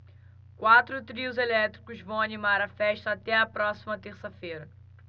quatro trios elétricos vão animar a festa até a próxima terça-feira